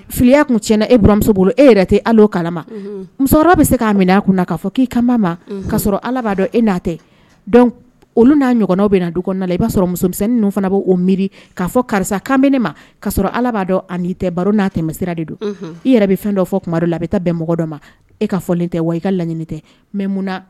Muso musokɔrɔba sea minɛa fɔ k' ka ala b'a e'a olu n'a ɲɔgɔn bɛ na du i b'a sɔrɔ musomisɛnnin fana b'o miiri k'a fɔ karisa kan ne ma ka ala b'a dɔn ani tɛ baro n'a tɛ misi de don i yɛrɛ bɛ fɛn dɔ fɔ tuma la i bɛ bɛn mɔgɔ dɔ ma e ka fɔlen tɛ wa i ka laɲini tɛ mun